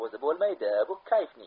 o'zi bo'lmaydi bu kayfning